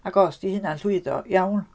Ac os 'di hynna'n llwyddo, iawn.